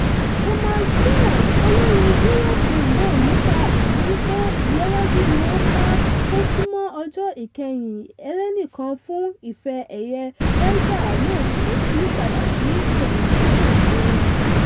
Thomas Bjorn, olórí tí yúrópù, mọ̀ nípa ìrírí pé ìléwájú níwọ́nba tó súnmọ́ ọjọ̀ ìkẹhìn ẹlẹ́nìkan fún Ìfe ẹ̀yẹ Ryder le ṣàdédé yí padà sí ohun tí kò ní rọrùn.